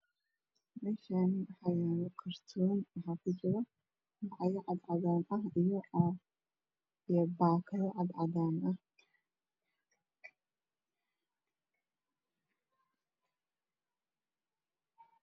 Meshaani wax yaalo kartoon wax ku jiro caago cag cagaar ah iyo caag iyo bakado cad cadaan ah